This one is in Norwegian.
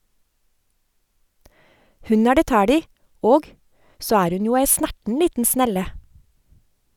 Hun er det tæl i, og, så er hun jo ei snerten liten snelle.